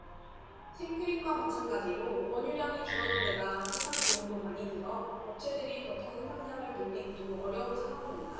생크림과 마찬가지로 원유량이 줄어든데다 생산 비용도 많이 들어 업체들이 버터 생산량을 늘리기도 어려운 상황입니다